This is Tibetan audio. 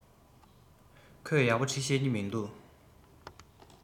ཁོས ཡག པོ འབྲི ཤེས ཀྱི མིན འདུག